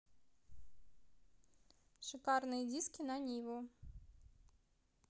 шикарные диски на ниву